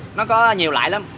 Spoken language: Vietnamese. nó có nhiều loại lắm